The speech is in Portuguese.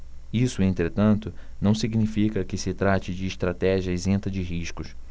isso entretanto não significa que se trate de estratégia isenta de riscos